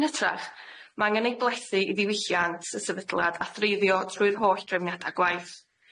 Yn ytrach ma' angen ei blethu i ddiwylliant y sefydliad a threiddio trwy'r holl drefniada' gwaith.